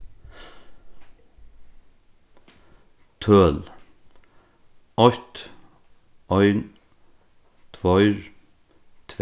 tøl eitt ein tveir